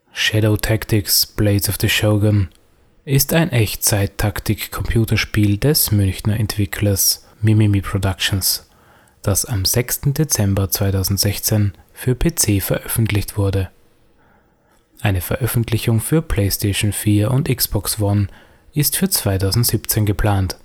Shadow Tactics: Blades of the Shogun ist ein Echtzeit-Taktik-Computerspiel des Münchner Entwicklers Mimimi Productions, das am 6. Dezember 2016 für PC veröffentlicht wurde. Eine Veröffentlichung für PlayStation 4 und Xbox One ist für 2017 geplant